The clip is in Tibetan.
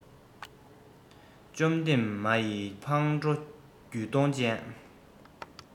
བཅོམ ལྡན མ ཡི ཕང འགྲོ རྒྱུད སྟོང ཅན